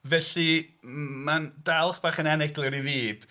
Felly mae'n dal chydig bach yn aneglur i fi...